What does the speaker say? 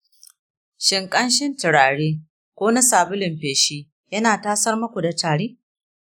shin ƙanshin turare ko na sabulun feshi yana tasar muku da tari?